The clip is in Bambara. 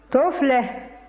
to filɛ